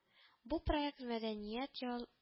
Бу проект Мәдәният ел